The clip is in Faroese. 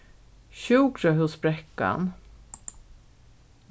sjúkrahúsbrekkan